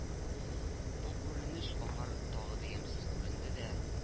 Бу күренеш аңар тагы да ямьсез күренде дә